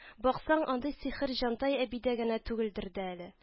Баксаң, андый сихер Җантай әбидә генә түгелдер дә әле